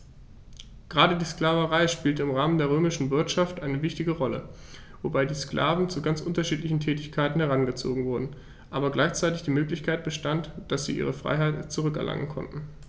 Gerade die Sklaverei spielte im Rahmen der römischen Wirtschaft eine wichtige Rolle, wobei die Sklaven zu ganz unterschiedlichen Tätigkeiten herangezogen wurden, aber gleichzeitig die Möglichkeit bestand, dass sie ihre Freiheit zurück erlangen konnten.